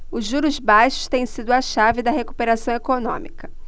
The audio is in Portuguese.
os juros baixos têm sido a chave da recuperação econômica